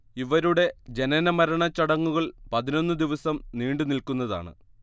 ഇവരുടെ ജനനമരണച്ചടങ്ങുകൾ പതിനൊന്ന് ദിവസം നീണ്ടു നില്ക്കുന്നതാണ്